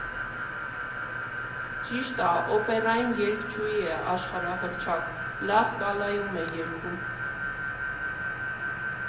Ճիշտ ա, օպերային երգչուհի է աշխարհահռչակ, Լա Սկալայում է երգում։